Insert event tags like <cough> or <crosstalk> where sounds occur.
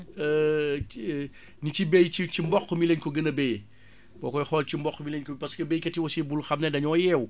<hesitation> ñi ci bay ci mboq mi lañ ko gën a bayee boo koy xool ci mboq mi lañ ko parce que baykat yi aussi bul xam ne dañoo yeewu